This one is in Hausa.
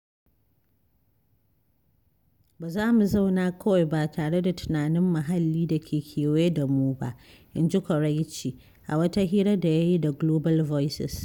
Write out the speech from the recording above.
“Ba za mu zauna kawai ba tare da tunanin muhalli da ke kewaye da mu ba,” in ji Koraichi, a wata hira da ya yi da Global Voices.